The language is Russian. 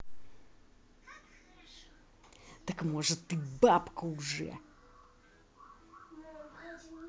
так может ты бабка уже